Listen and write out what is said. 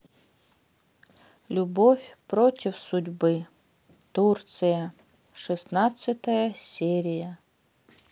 любовь против судьбы турция шестнадцатая серия